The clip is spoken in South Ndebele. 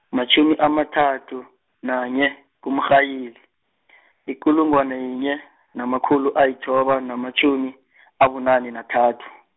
matjhumi amathathu, nanye kuMrhayili, ikulungwana yinye, namakhulu ayithoba namatjhumi, abunane nathathu.